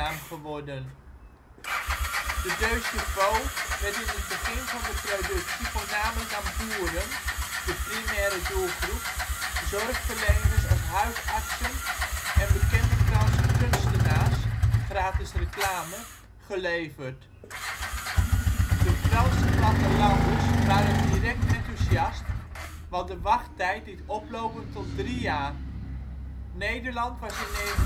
geworden. De 2CV werd in het begin van de productie voornamelijk aan boeren (primaire doelgroep), zorgverleners als huisartsen en bekende Franse kunstenaars (gratis reclame) geleverd. De Franse plattelanders waren direct enthousiast, wat de wachttijd liet oplopen tot drie jaar. Nederland was in 1952